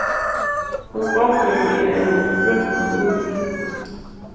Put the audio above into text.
hon gongur við einum vøkrum uri